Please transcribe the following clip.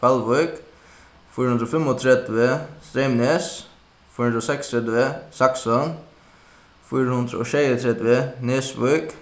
hvalvík fýra hundrað og fimmogtretivu streymnes fýra hundrað og seksogtretivu saksun fýra hundrað og sjeyogtretivu nesvík